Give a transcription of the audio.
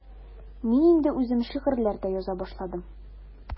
Мин инде үзем шигырьләр дә яза башладым.